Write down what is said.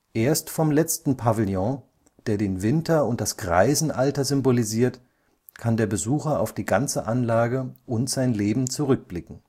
Erst vom letzten Pavillon, der den Winter und das Greisenalter symbolisiert, kann der Besucher auf die ganze Anlage und sein Leben zurückblicken